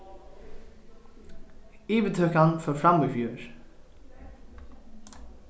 yvirtøkan fór fram í fjør